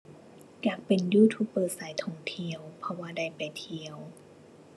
อยากเป็น YouTuber สายท่องเที่ยว เพราะว่าได้ไปเที่ยว